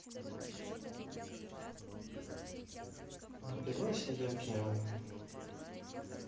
напилася я пьяна